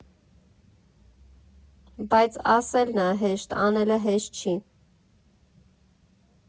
Բայց ասելն ա հեշտ, անելը հեշտ չի։